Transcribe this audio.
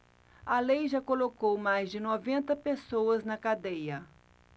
a lei já colocou mais de noventa pessoas na cadeia